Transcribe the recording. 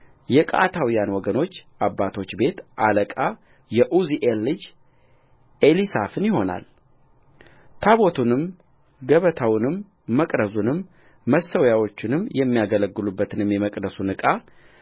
የቀዓታውያንም ወገኖች አባቶች ቤት አለቃ የዑዝኤል ልጅ ኤሊሳፈን ይሆናልታቦቱንም ገበታውንም መቅረዙንም መሠዊያዎቹንም የሚያገለግሉበትንም የመቅደሱን ዕቃ